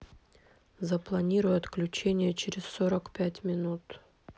запланируй отключение через сорок пять минут